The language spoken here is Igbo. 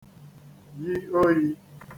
yi oyī